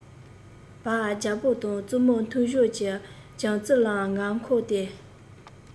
བར རྒྱལ པོ དང བཙུན མོའི མཐུན སྦྱོར གྱི སྦྱར རྩི ལའང ང མཁོ སྟེ